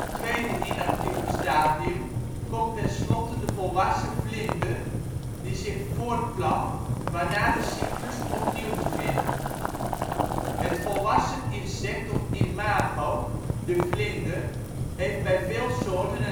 tweede inactieve stadium - komt tenslotte de volwassen vlinder die zich voortplant waarna de cyclus opnieuw begint. Het volwassen insect of imago, de vlinder, heeft bij veel soorten